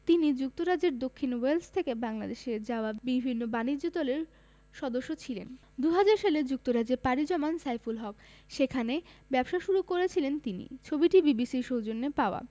তিনি যুক্তরাজ্যের দক্ষিণ ওয়েলস থেকে বাংলাদেশে যাওয়া বিভিন্ন বাণিজ্য দলের সদস্য ছিলেন ২০০০ সালে যুক্তরাজ্যে পাড়ি জমান সাইফুল হক সেখানে ব্যবসা শুরু করেছিলেন তিনি ছবিটি বিবিসির সৌজন্যে পাওয়া